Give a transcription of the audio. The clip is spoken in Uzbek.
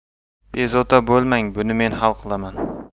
bezovta bo'lmang buni men hal qilaman